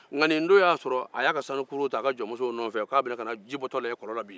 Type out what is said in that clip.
nka nin don y'a sɔrɔ a y'a ka sanukurun ta a ka jɔnmusow nɔfɛ k'a bɛ na ka ji bɔtɔla ya kɔlɔn kɔlɔn kɔnɔ